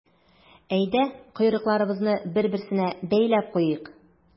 Әйдә, койрыкларыбызны бер-берсенә бәйләп куйыйк.